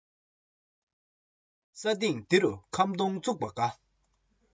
ས ཡི འོག ཏུ ཁམ བུ ཟ འདོད ན